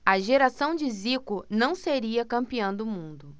a geração de zico não seria campeã do mundo